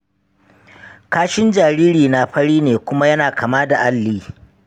kashin jaririna fari ne kuma yana kama da alli.